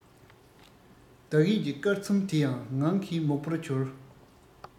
བདག ཡིད ཀྱི སྐར ཚོམ དེ ཡང ངང གིས མོག པོར གྱུར